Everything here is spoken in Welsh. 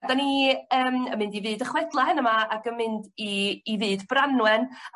'Dyn ni yn yn i fyd y chwedla heno 'ma ag yn mynd i i fyd Branwen.